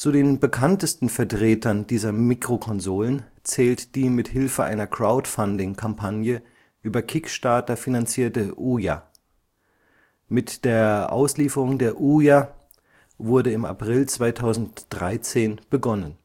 den bekanntesten Vertretern dieser Mikrokonsolen zählt die mit Hilfe einer Crowdfunding-Kampagne über Kickstarter finanzierte Ouya. Mit der Auslieferung der Ouya wurde im April 2013 begonnen